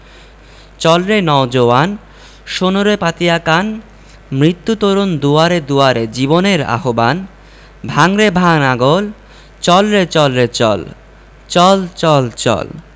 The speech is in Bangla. চল রে নও জোয়ান শোন রে পাতিয়া কান মৃত্যু তরণ দুয়ারে দুয়ারে জীবনের আহবান ভাঙ রে ভাঙ আগল চল রে চল রে চল চল চল চল